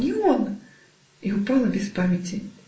не он!" -- и упала без памяти.